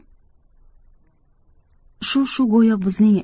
shu shu go'yo bizning